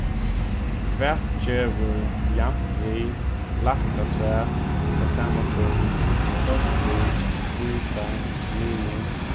hvat gevur javnt við lagt afturat tað sama sum deilt við býta minus